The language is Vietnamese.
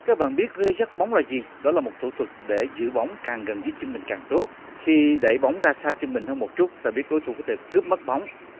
các bạn biết rê dắt bóng là gì đó là một thủ thuật để giữ bóng càng gần dưới chân mình càng tốt khi đẩy bóng ra xa trung bình hơn một chút là biết đối thủ có thể cướp mất bóng